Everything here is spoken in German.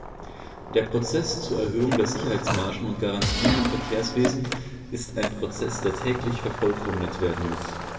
Der Prozess zur Erhöhung der Sicherheitsmargen und -garantien im Verkehrswesen ist ein Prozess, der täglich vervollkommnet werden muss.